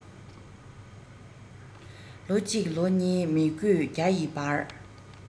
ལོ གཅིག ལོ གཉིས མི དགོས བརྒྱ ཡི བར